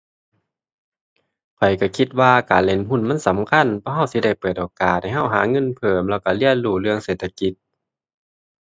ข้อยก็คิดว่าการเล่นหุ้นมันสำคัญ เพราะก็สิได้เปิดโอกาสให้ก็หาเงินเพิ่มแล้วก็เรียนรู้เรื่องเศรษฐกิจ